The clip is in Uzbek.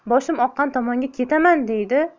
boshim oqqan tomonga ketaman deydi